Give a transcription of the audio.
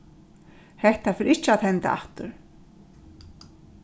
hetta fer ikki at henda aftur